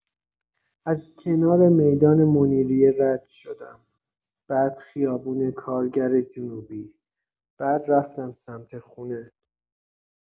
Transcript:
از کنار میدان منیریه رد شدم، بعد خیابون کارگر جنوبی، بعد رفتم سمت خونه.